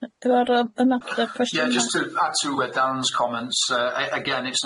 Ie jyst to add to y Dan's comments yy e- again it's